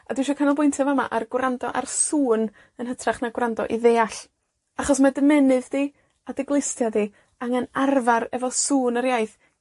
a dwi isio canolbwyntio fa' 'ma ar gwrando ar sŵn, yn hytrach na gwrando i ddeall. Achos mae dy menydd, di a dy glustia di, angan arfar efo sŵn yr iaith